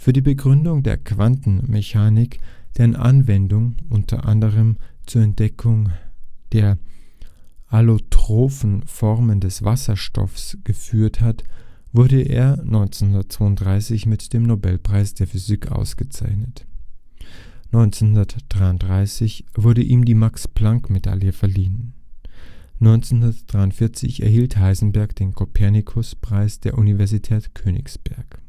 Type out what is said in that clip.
Begründung der Quantenmechanik, deren Anwendung – unter anderem – zur Entdeckung der allotropen Formen des Wasserstoffs geführt hat “wurde er 1932 mit dem Nobelpreis für Physik ausgezeichnet. 1933 wurde ihm die Max-Planck-Medaille verliehen. 1943 erhielt Heisenberg den Kopernikus-Preis der Universität Königsberg